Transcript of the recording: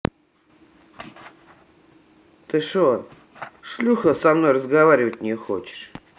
ты шо шлюха со мной разговаривать не хочешь